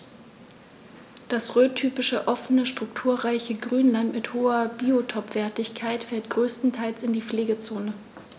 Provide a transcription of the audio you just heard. Das rhöntypische offene, strukturreiche Grünland mit hoher Biotopwertigkeit fällt größtenteils in die Pflegezone.